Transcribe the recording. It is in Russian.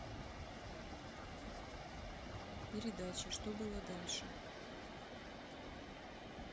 передача что было дальше